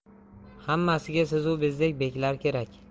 hammasiga sizu bizdek beklar kerak